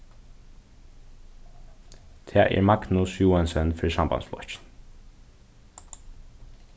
tað er magnus joensen fyri sambandsflokkin